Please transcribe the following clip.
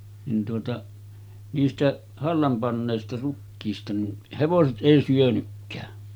niin tuota niistä hallan panneista rukiista niin hevoset ei syönytkään